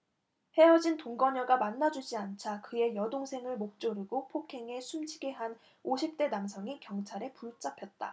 헤어진 동거녀가 만나주지 않자 그의 여동생을 목 조르고 폭행해 숨지게 한 오십 대 남성이 경찰에 붙잡혔다